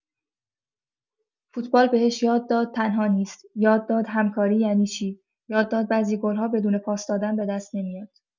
فوتبال بهش یاد داد تنها نیست، یاد داد همکاری یعنی چی، یاد داد بعضی گل‌ها بدون پاس دادن به‌دست نمیاد.